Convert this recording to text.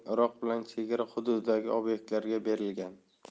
chegara hududidagi obektlarga berilgan